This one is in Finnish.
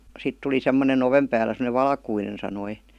sitten tuli semmoinen oven päällä semmoinen valkoinen sanoi